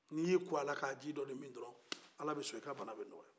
n'i y'i ko a la k'a ji dɔni min dɔrɔn ala bɛ sɔn i ka bana bɛ nɔgɔya